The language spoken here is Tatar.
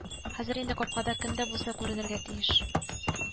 Хәзер инде капкада кемдә булса күренергә тиеш